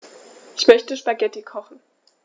Ich möchte Spaghetti kochen.